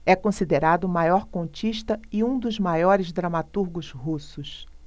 é considerado o maior contista e um dos maiores dramaturgos russos